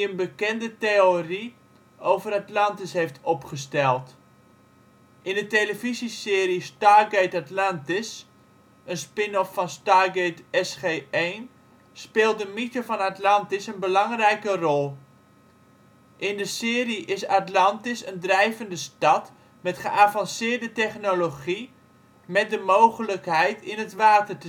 bekende theorie over Atlantis heeft opgesteld (zie de sectie over de de ligging van Atlantis). In de televisieserie Stargate Atlantis, een spin-off van Stargate SG-1, speelt de mythe van Atlantis een belangrijke rol. In de serie is Atlantis een drijvende stad met geavanceerde technologie (met de mogelijkheid in het water